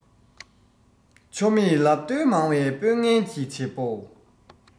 ཆོ མེད ལབ བརྡོལ མང བའི དམོན ངན གྱི བྱེད པོ